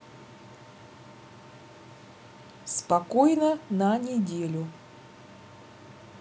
спокойно на неделю